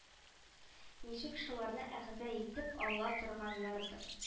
Ничек шуларны әгъза итеп ала торганнардыр